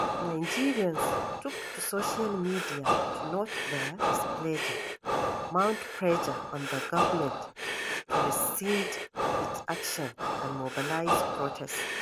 Nigerians took to social media to note their displeasure, mount pressure on the government to rescind its action and mobilize protests: